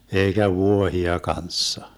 eikä vuohia kanssa